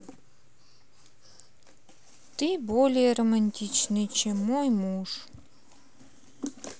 ты более романтичный чем мой муж